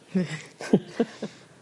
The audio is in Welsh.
Ie.